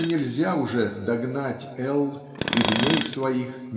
что нельзя уже догнать Л. и дней своих